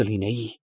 Կլինեի։ ֊